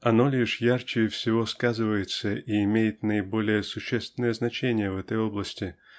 оно лишь ярче всего сказывается и имеет наиболее существенное значение в этой области